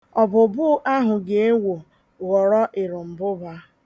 Ọbụbụụ ahụ ga-enwo ghọrọ erembụba.